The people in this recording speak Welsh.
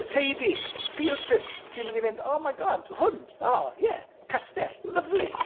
Teidi. Field trips sy'n mynd i fynd; "Oh my god. Hwn. Oh ie. Castell. Lyfli!"